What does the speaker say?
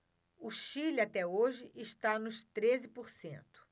o chile até hoje está nos treze por cento